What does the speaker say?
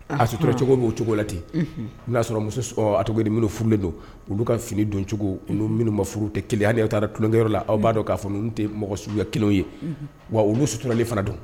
A sutura cogo min o cogo la ten n y'a sɔrɔ muso a cogo furulen don olu ka fini doncogo minnu ma furu tɛ kelen yan taara tulonkɛyɔrɔ la aw b'a dɔn'a tɛ mɔgɔ suya kelen ye wa olu suturalen fana don